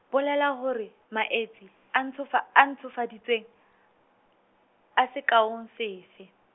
bolela hore, maetsi, a ntshofa- a ntshofaditsweng, a sekaong sefe.